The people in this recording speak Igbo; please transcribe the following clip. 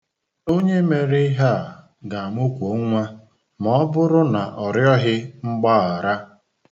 Onye mere ihe a ga-amụkwo nnwa ma ọ bụrụ na ọ rioghi mgbaghara.